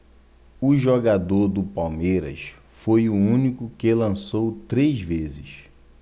o jogador do palmeiras foi o único que lançou três vezes